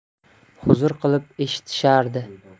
huzur qilib eshitishardi